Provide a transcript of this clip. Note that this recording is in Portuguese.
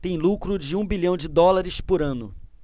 tem lucro de um bilhão de dólares por ano